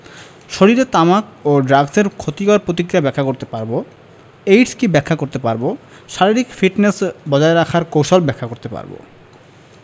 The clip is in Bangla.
শরীরে তামাক ও ড্রাগসের ক্ষতিকর প্রতিক্রিয়া ব্যাখ্যা করতে পারব এইডস কী ব্যাখ্যা করতে পারব শারীরিক ফিটনেস বজায় রাখার কৌশল ব্যাখ্যা করতে পারব